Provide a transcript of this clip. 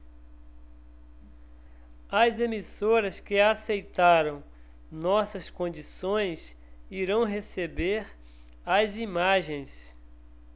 as emissoras que aceitaram nossas condições irão receber as imagens